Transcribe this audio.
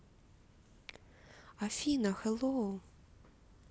афина хэллоу